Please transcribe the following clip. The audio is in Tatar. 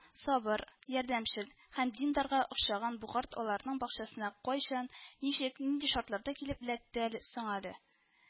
Сабыр, ярдәмчел һәм диндарга охшаган бу карт аларның бакчасына кайчан, ничек, нинди шартларда килеп эләкте әле соң әле